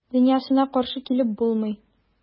Дөньясына каршы килеп булмый.